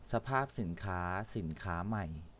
สภาพสินค้าสินค้าใหม่